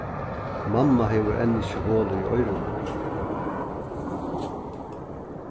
mamma hevur enn ikki hol í oyrunum